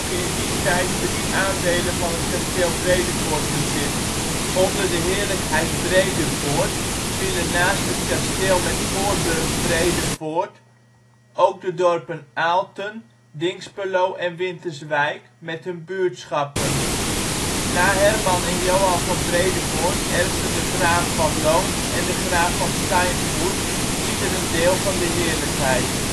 in die tijd drie aandelen van het kasteel Bredevoort bezit. Onder de heerlijkheid Bredevoort vielen naast het kasteel met voorburg Bredevoort, ook de dorpen Aalten, Dinxperlo en Winterswijk met hun buurtschappen. Na Herman en Johan van Bredevoort erfden de graaf van Lohn en de graaf van Steinfurt ieder een deel van de Heerlijkheid